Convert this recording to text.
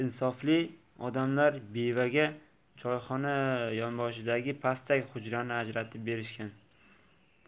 insofli odamlar bevaga choyxona yonboshidagi pastak hujrani ajratib berishgan